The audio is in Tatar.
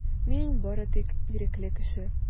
Мин бары тик ирекле кеше.